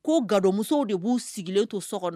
Ko gadmuso de b'u sigilen to so kɔnɔ